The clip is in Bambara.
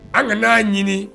An ka na ɲini